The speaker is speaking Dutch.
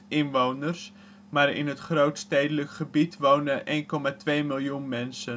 inwoners, maar in het grootstedelijk gebied wonen 1.196.775 mensen